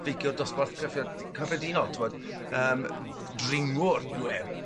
feiciwr dosbarth cyffia- d- cyffredinol t'bod yym n- dringwr yw e